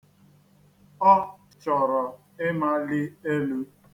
Ọ chọrọ ịmali elu.